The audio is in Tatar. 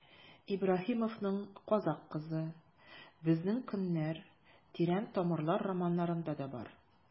Ибраһимовның «Казакъ кызы», «Безнең көннәр», «Тирән тамырлар» романнарында да бар.